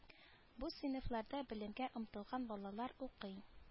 Бу сыйныфларда белемгә омтылган балалар укый